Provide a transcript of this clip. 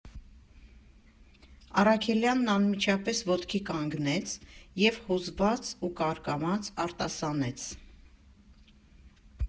Առաքելյանն անմիջապես ոտքի կանգնեց և հուզված ու կարկամած արտասանեց.